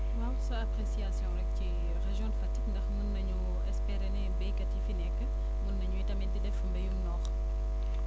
waaw sa appréciation rek ci région bu Fatick ndax mun nañu espérer ni béykat yi fi nekk mën nañu tamit di def mbéyum noor